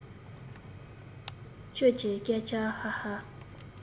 ཁྱོད ཀྱི སྐད ཆ ཧ ཧ